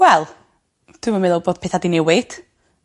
Wel dwi'm yn meddwl bod petha 'di newid.